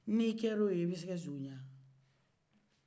n'io kɛla o ye i be siran zo ɲɛwa